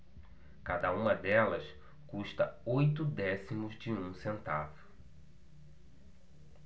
cada uma delas custa oito décimos de um centavo